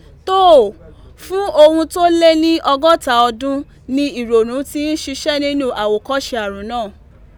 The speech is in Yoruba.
Tóò, fún ohun tó lé ní ọgọ́ta ọdún ni ìrònú ti ń ṣiṣẹ́ nínú àwòkọ́ṣe àrùn náà.